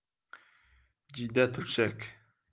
jiyda turshak